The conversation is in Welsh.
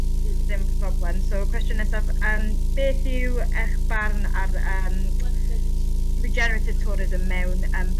Ddim problem so cwestiwn nesaf yym beth yw eich barn ar yym regenerative tourism mewn yym perth'as